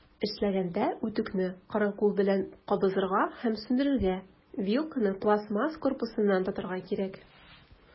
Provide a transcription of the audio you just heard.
Эшләгәндә, үтүкне коры кул белән кабызырга һәм сүндерергә, вилканы пластмасс корпусыннан тотарга кирәк.